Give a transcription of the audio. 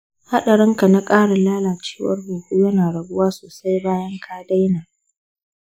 hadarinka na ƙarin lalacewar huhu yana raguwa sosai bayan ka daina.